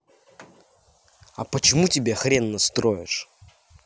а почему тебя хрен настроишь